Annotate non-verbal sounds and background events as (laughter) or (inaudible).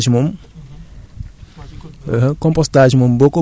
moom moom la ñu gën a taamu (breath) léegi (hesitation) compostage moom